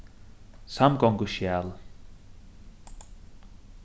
samgonguskjal